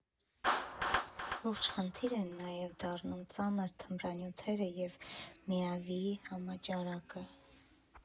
Լուրջ խնդիր են նաև դառնում ծանր թմրանյութերը և ՄԻԱՎ֊ի համաճարակը։